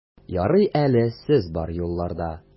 Ярый әле сез бар юлларда!